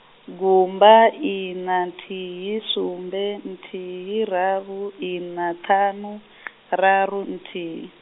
gumba ina nthihi sumbe nthihi raru ina ṱhanu, raru nthihi.